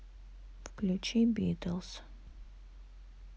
включи битлс